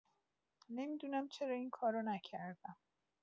نمی‌دونم چرا این کار رو نکردم.